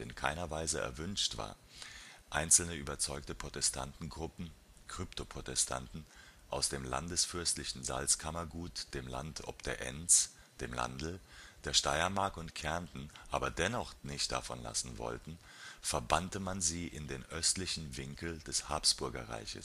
keiner Weise erwünscht war, einzelne überzeugte Protestantengruppen (Kryptoprotestanten) aus dem landesfürstlichen Salzkammergut, dem Land ob der Enns (dem ' Landl '), der Steiermark und Kärnten dennoch nicht davon lassen wollten, verbannte man sie in den östlichsten Winkel des Habsburgerreiches